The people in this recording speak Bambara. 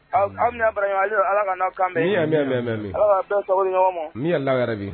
Aw ala ka n'aw mɛn yan mɛn mɛn mɛn bɛɛ sago ɲɔgɔn ma min ye' yɛrɛ bi